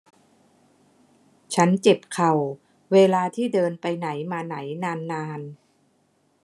ฉันเจ็บเข่าเวลาที่เดินไปไหนมาไหนนานนาน